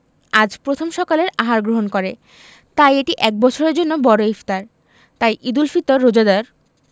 আজ প্রথম সকালের আহার গ্রহণ করে তাই এটি এক বছরের জন্য বড় ইফতার তাই ঈদুল ফিতর রোজাদার